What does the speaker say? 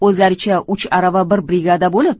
o'zlaricha uch arava bir brigada bo'lib